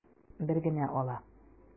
Бер генә ала.